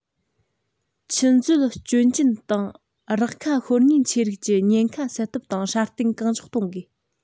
ཆུ མཛོད སྐྱོན ཅན དང རགས ཁ ཤོར ཉེན ཆེ རིགས ཀྱི ཉེན ཁ སེལ ཐབས དང སྲ བརྟན གང མགྱོགས གཏོང དགོས